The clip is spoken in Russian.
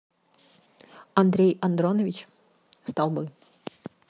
андрей андронович столбы